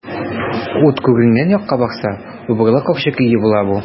Ут күренгән якка барса, убырлы карчык өе була бу.